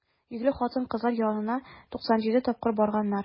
Йөкле хатын-кызлар янына 97 тапкыр барганнар.